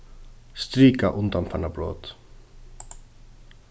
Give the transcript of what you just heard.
strika undanfarna brot